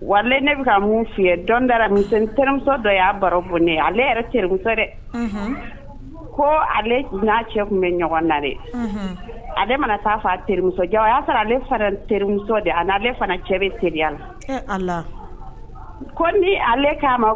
Wa ne mun f fi da mimuso dɔ y'a baro ne ale dɛ ko na cɛ tun bɛ ɲɔgɔn na dɛ ale manaa terimuso o y'a sɔrɔ ale terimuso fana cɛ bɛ se na ko ni ale ka ma